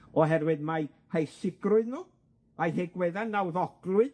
oherwydd mae heu sicrwydd nw, a'u hegwedda nawddoglwyt